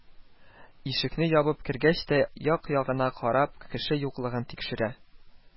Ишекне ябып кергәч тә, як-ягына каранып, кеше юклыгын тикшерә